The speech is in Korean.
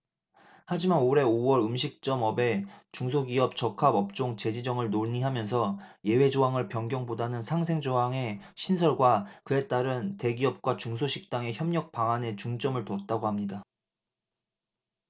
하지만 올해 오 월 음식점업의 중소기업적합업종 재지정을 논의하면서 예외조항을 변경보다는 상생 조항의 신설과 그에 따른 대기업과 중소식당의 협력 방안에 중점을 뒀다고 합니다